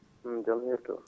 jaam hiiri toon